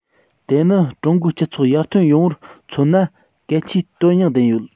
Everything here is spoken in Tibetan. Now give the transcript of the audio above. དེ ནི ཀྲུང གོའི སྤྱི ཚོགས ཡར ཐོན ཡོང བར མཚོན ན གལ ཆེའི དོན སྙིང ལྡན ཡོད